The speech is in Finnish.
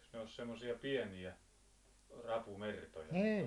eikös ne ole semmoisia pieniä rapumertoja